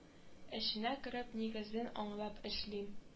Эченә кереп нигезен аңлап эшлим